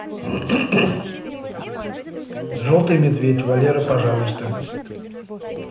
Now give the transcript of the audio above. желейный медведь валера пожалуйста